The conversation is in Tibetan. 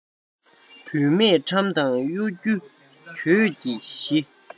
བུད མེད ཁྲམ དང གཡོ སྒྱུ གྱོད ཀྱི གཞི